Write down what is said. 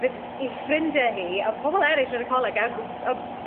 fydd 'i ffrindie hi a pobol eryll yn y coleg